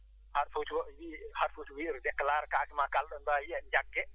aɗa foti wiide aɗa foti wiide déclare kaake maa kala ɗo ɗe mbaawi yiiyeede njaggee